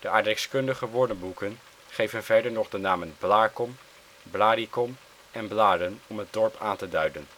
aardrijkskundige woordenboeken geven verder nog de namen Blaercom, Blarikom en Blaren om het dorp aan te duiden